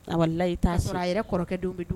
A i sɔrɔ a yɛrɛ kɔrɔkɛ don